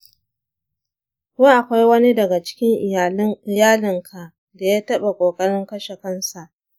ko akwai wani daga cikin iyalinka da ya taɓa ƙoƙarin kashe kansa?